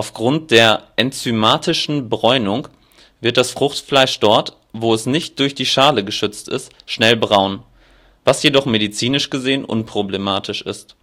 Aufgrund der enzymatischen Bräunung wird das Fruchtfleisch dort, wo es nicht durch die Schale geschützt ist, schnell braun, was jedoch medizinisch gesehen unproblematisch ist